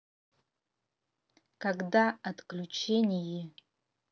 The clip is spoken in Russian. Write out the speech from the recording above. когда отключение